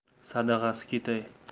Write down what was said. sadag'asi ketay